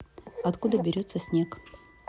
откуда берется снег